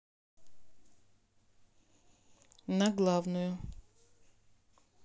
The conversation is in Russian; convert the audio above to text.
на главную